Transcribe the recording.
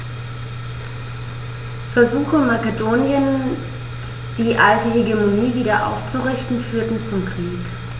Versuche Makedoniens, die alte Hegemonie wieder aufzurichten, führten zum Krieg.